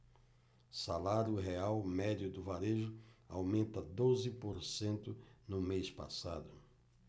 salário real médio do varejo aumenta doze por cento no mês passado